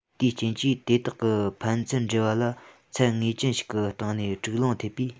དེའི རྐྱེན གྱིས དེ དག གི ཕན ཚུན འབྲེལ བ ལ ཚད ངེས ཅན ཞིག གི སྟེང ནས དཀྲུག སློང ཐེབས པས